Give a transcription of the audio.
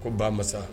Ko ba masa